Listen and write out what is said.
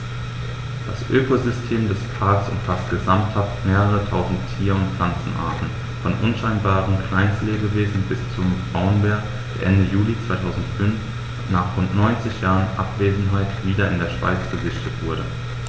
Das Ökosystem des Parks umfasst gesamthaft mehrere tausend Tier- und Pflanzenarten, von unscheinbaren Kleinstlebewesen bis zum Braunbär, der Ende Juli 2005, nach rund 90 Jahren Abwesenheit, wieder in der Schweiz gesichtet wurde.